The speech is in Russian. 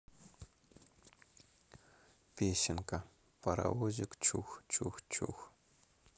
песенка паровозик чух чух чух